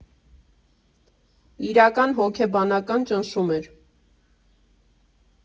Իրական հոգեբանական ճնշում էր։